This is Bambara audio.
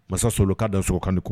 Masasolon k ka da so kanku